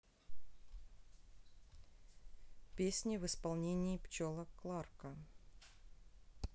песни в исполнении пчелок кларка